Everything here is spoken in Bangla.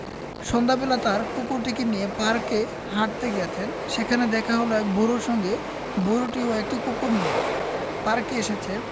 সন্ধ্যাবেলা তার কুকুরটিকে নিয়ে পার্কে হাঁটতে গেছেন সেখানে দেখা হল এক বুড়োর সঙ্গে বুড়োটিও একটি কুকুর নিয়ে পার্কে এসেছে